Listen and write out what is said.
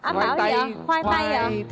anh bảo gì ạ khoai tây ạ